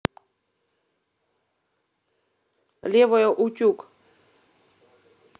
левая утюг